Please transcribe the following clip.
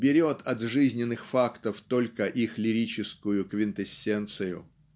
берет от жизненных фактов только их лирическую квинтэссенцию.